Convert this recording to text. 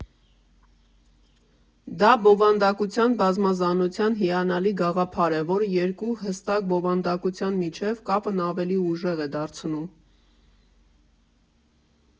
Դա բովանդակության բազմազանության հիանալի գաղափար է, որը երկու հստակ բովանդակության միջև կապն ավելի ուժեղ է դարձնում։